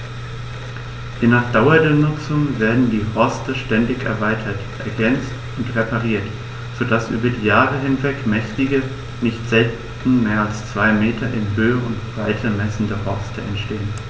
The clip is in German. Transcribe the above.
Je nach Dauer der Nutzung werden die Horste ständig erweitert, ergänzt und repariert, so dass über Jahre hinweg mächtige, nicht selten mehr als zwei Meter in Höhe und Breite messende Horste entstehen.